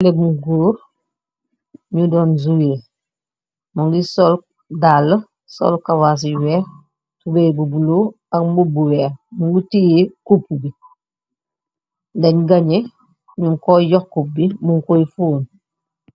Haley bu góor, Nu don zumii. Mungi sol daall, sol kawass yu weeh, tubeye bu bulo ak mbub bu weeh. Mu tèyeh kuup bi. Dèn ganyee nung ko joh kuup bi mung koy funn.